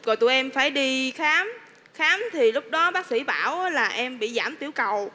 gọi tụi em phải đi khám khám thì lúc đó bác sĩ bảo là em bị giảm tiểu cầu